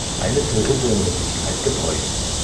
eine dritte Möglichkeit gebräuchlich